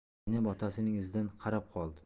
zaynab otasining izidan qarab qoldi